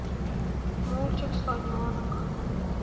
мультик слоненок